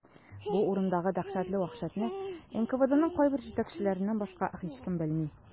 Бу урындагы дәһшәтле вәхшәтне НКВДның кайбер җитәкчеләреннән башка һичкем белми.